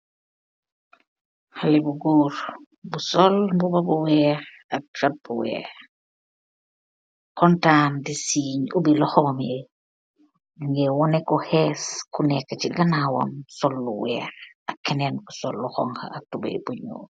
Haleh bu gorr bu sol mbuba bu wekh ak short bu wekh, contan dii siingh, oubi lokhom yii, njungeh woneh ku hess Ku neki chi ganawam sol lu wekh ak kenen ku sol lu honha ak tubeiy bu njul.